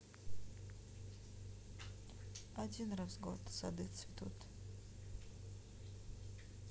один раз в год сады цветут